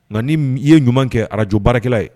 Nka ni min i ye ɲuman kɛ radio baarakɛla ye